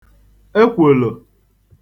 ekwòlò